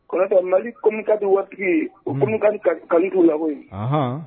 Kotɛ malikadi waatitigi o kununli la ye